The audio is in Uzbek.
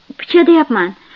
picha deyapman